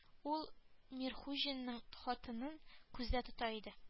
Ул мирхуҗинның хатынын күздә тота иде